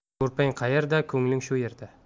ko'rpang qayerda ko'ngling shu yerda